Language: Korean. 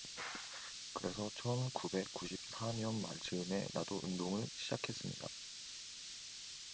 그래서 천 구백 구십 사 년 말 즈음에 나도 운동을 시작했습니다